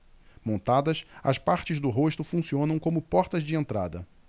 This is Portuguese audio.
montadas as partes do rosto funcionam como portas de entrada